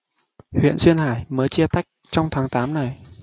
huyện duyên hải mới chia tách trong tháng tám này